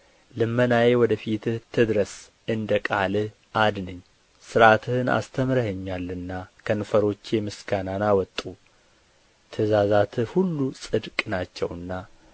ልመናዬ ወደ ፊትህ ትድረስ እንደ ቃልህ አድነኝ ሥርዓትህን አስተምረኸኛልና ከንፈሮቼ ምስጋናን አወጡ ትእዛዛትህ ሁሉ ጽድቅ ናቸውና